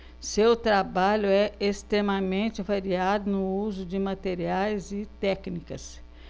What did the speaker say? seu trabalho é extremamente variado no uso de materiais e técnicas